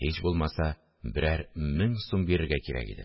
Һич булмаса, берәр мең сум бирергә кирәк иде